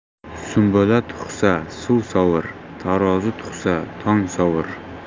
sumbula tug'sa suv sovir tarozi tug'sa tong sovir